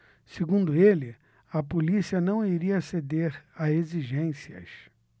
segundo ele a polícia não iria ceder a exigências